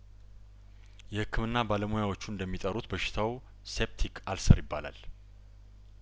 የህክምና ባለሙያዎቹ እንደሚጠሩት በሽታው ሴፕቲክ አልሰር ይባላል